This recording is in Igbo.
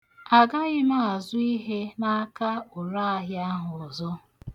Agaghị m azụ ihe n'aka oraahịa ahụ ọzọ.